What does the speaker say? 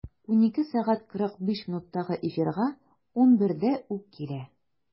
12.45-тәге эфирга 11-дә үк килә.